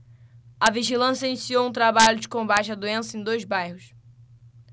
a vigilância iniciou um trabalho de combate à doença em dois bairros